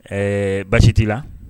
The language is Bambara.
Ɛɛ baasi t'i la